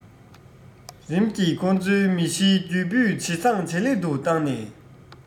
རིམ གྱིས ཁོ ཚོའི མི གཞིའི རྒྱུ སྤུས ཇེ བཟང ཇེ ལེགས སུ བཏང ནས